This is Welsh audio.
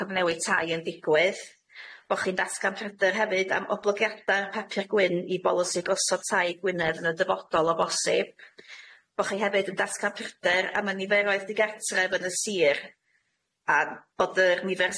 cyfnewid tai yn digwydd bo' chi'n datgan pryder hefyd am oblygiada'r papur gwyn i bolosi a gosodd tai Gwynedd yn y dyfodol o bosib bo' chi hefyd yn datgan pryder am y niferoedd digartref yn y Sir a bod yr nifer